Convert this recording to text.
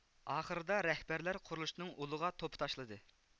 ئاخىرىدا رەھبەرلەر قۇرۇلۇشنىڭ ئۇلىغا توپا تاشلىدى